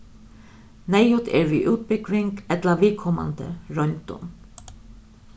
neyðugt er við útbúgving ella viðkomandi royndum